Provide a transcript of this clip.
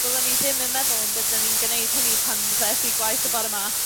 byddwn ni ddim yn meddwl yn byddwn ni'n gneud hynny pan ddaeth i gwaith y bore 'ma.